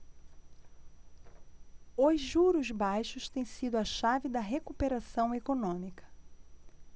os juros baixos têm sido a chave da recuperação econômica